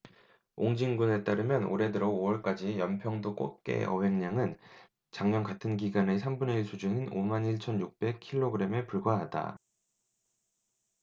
옹진군에 따르면 올해 들어 오 월까지 연평도 꽃게 어획량은 작년 같은 기간의 삼 분의 일 수준인 오 만 일 천 육백 킬로그램에 불과하다